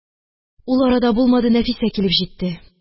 . ул ара да булмады, нәфисә килеп җитте